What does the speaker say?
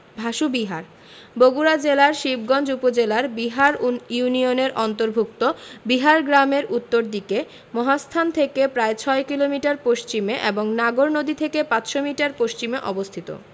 ভাসু বিহার বগুড়া জেলার শিবগঞ্জ উপজেলার বিহার ইউনিয়নের অন্তর্ভুক্ত বিহার গ্রামের উত্তর দিকে মহাস্থান থেকে প্রায় ৬ কিলোমিটার পশ্চিমে এবং নাগর নদী থেকে ৫০০ মিটার পশ্চিমে অবস্থিত